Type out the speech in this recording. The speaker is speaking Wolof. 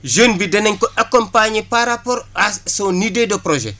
jeune bi danañ ko accompagner par rapport à son idée de projet